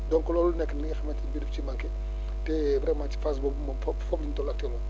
donc loolu nekk na li nga xamante ne bii daf ci manqué te vraiment ci phase boobu moom trop foog **